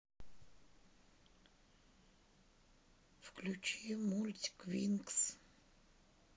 включи мультик винкс